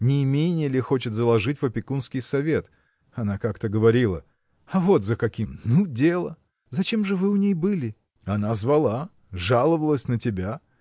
не имение ли хочет заложить в Опекунский совет. она как-то говорила. а вот за каким: ну дело! – Зачем же вы у ней были? – Она звала, жаловалась на тебя.